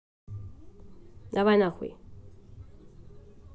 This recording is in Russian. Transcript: давай нахуй